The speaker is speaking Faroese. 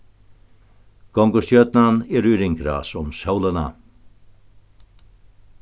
gongustjørnan er í ringrás um sólina